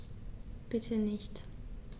Bitte nicht.